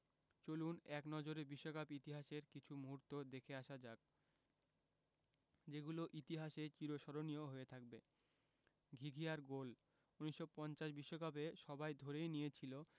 চলুন এক নজরে বিশ্বকাপ ইতিহাসের কিছু মুহূর্ত দেখে আসা যাক যেগুলো ইতিহাসে চিরস্মরণীয় হয়ে থাকবে ঘিঘিয়ার গোল ১৯৫০ বিশ্বকাপে সবাই ধরেই নিয়েছিল